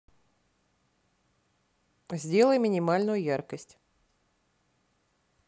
сделай минимальную яркость